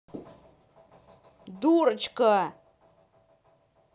дурачка